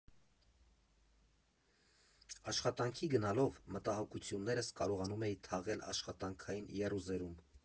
Աշխատանքի գնալով՝ մտահոգություններս կարողանում էի թաղել աշխատանքային եռուզեռում։